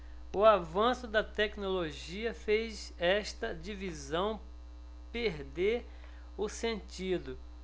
o avanço da tecnologia fez esta divisão perder o sentido